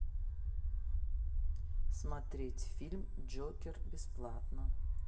смотреть фильм джокер бесплатно